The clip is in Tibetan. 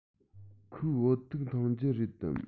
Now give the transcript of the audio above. ཁོས བོད ཐུག འཐུང རྒྱུ རེད དམ